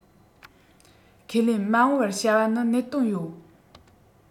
ཁས ལེན མ འོངས པར བྱ བ ནི གནད དོན ཡོད